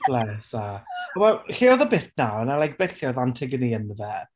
Bless her. Timod, lle oedd y bit 'na, oedd 'na like bit lle oedd Antigoni ynddo fe.